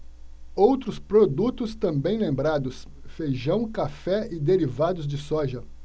outros produtos também lembrados feijão café e derivados de soja